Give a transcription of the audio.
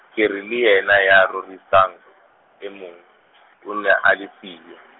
ke re le yena ya rorisang, e mong , o ne a le siyo.